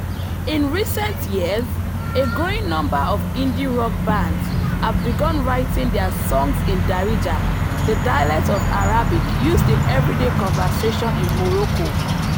In recent years, a growing number of indie rock bands have begun writing their songs in Darija, the dialect of Arabic used in everyday conversation in Morocco.